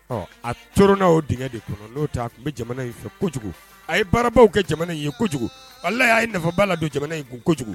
Ɔ a coronna o diŋɛ de kɔnɔ n'o tɛ a tun be jamana in fɛ kojugu a ye baarabaw kɛ jamana in ye kojugu walahi a ye nafaba ladon jamana in kun kojugu